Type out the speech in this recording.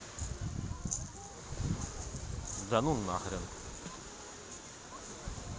да ну нахрен